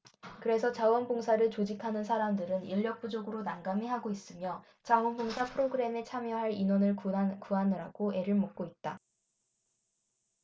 그래서 자원 봉사를 조직하는 사람들은 인력 부족으로 난감해하고 있으며 자원 봉사 프로그램에 참여할 인원을 구하느라고 애를 먹고 있다